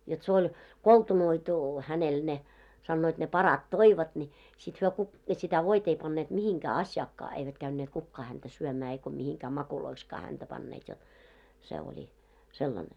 jotta se oli koltunoitu hänelle ne sanoivat ne parat toivat niin sitten he - sitä voita ei panneet mihinkään asiaankaan eivät käyneet kukaan häntä syömään eikä mihinkään mauiksikaan häntä panneet jotta se oli sellainen